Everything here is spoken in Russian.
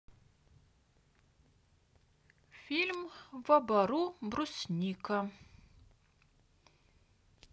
фильм во бору брусника